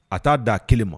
A t'a da a 1 ma